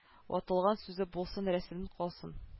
Ватылган сүзе булсын рәсеме калсын